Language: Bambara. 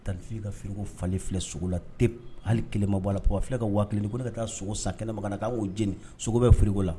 Tanti Fifi ka frigo falen filɛ sogo la tep hali kelen ma bɔ a la papa filɛ ka 5000f di ko ne ka taa sogo sa kɛnɛma kan na k'an k'o jeni sogo bɛ frigo la